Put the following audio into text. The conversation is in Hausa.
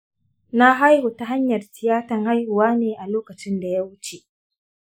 na haihu ta hanyar tiyatan haihuwa ne a lokacin da ya wuce